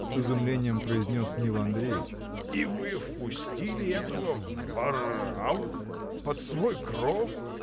— с изумлением произнес Нил Андреич, — и вы впустили этого Варавву под свой кров!